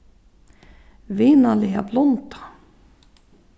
vinarliga blunda